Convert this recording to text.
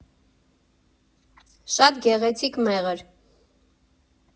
Շատ գեղեցիկ մեղր։